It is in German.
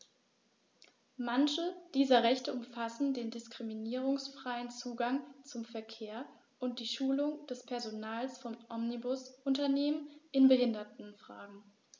Manche dieser Rechte umfassen den diskriminierungsfreien Zugang zum Verkehr und die Schulung des Personals von Omnibusunternehmen in Behindertenfragen.